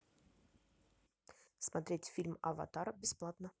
смотреть фильм аватар бесплатно